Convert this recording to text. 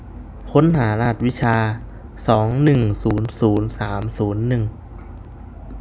ค้นหารหัสวิชาสองหนึ่งศูนย์ศูนย์สามศูนย์หนึ่ง